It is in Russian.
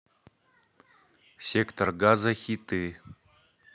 сектор газа хиты